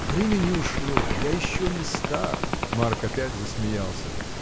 — Время не ушло, я еще не стар. Марк опять засмеялся.